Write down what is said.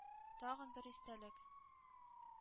Тагын бер истәлек.